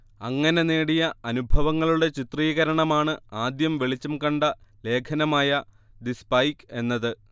അങ്ങനെ നേടിയ അനുഭവങ്ങളുടെ ചിത്രീകരണമാണ് ആദ്യം വെളിച്ചം കണ്ട ലേഖനമായ ദി സ്പൈക്ക് എന്നത്